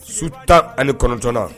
Su tan ani kɔnɔnjna